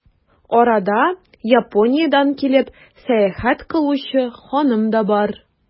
Арада, Япониядән килеп, сәяхәт кылучы ханым да бар.